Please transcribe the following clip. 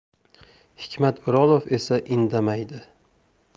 hikmat o'rolov esa indamaydi